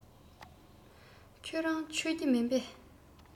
ཁྱོད རང མཆོད ཀྱི མིན པས